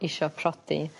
isio prodi